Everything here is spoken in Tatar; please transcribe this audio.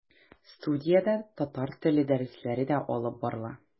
Студиядә татар теле дәресләре дә алып барыла.